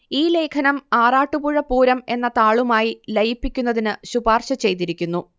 ഈ ലേഖനം ആറാട്ടുപുഴ പൂരം എന്ന താളുമായി ലയിപ്പിക്കുന്നതിന് ശുപാർശ ചെയ്തിരിക്കുന്നു